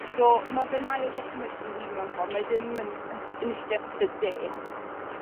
So ma' fe'n ail ddychmygu hi mewn ffor mae ddim yn yn is- yn ishte